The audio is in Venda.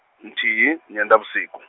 nthihi nyendavhusiku.